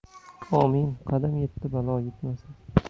ovmin qadam yettu balo yetmasun